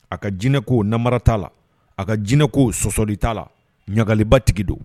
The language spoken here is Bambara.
A ka jinɛinɛ koo nara t'a la a ka jinɛinɛ ko o sɔsɔli t'a la ɲagalibatigi don